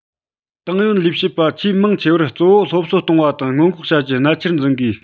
ཏང ཡོན དང ལས བྱེད པ ཆེས མང ཆེ བར གཙོ བོ སློབ གསོ གཏོང བ དང སྔོན འགོག བྱ རྒྱུ གནད ཆེར འཛིན དགོས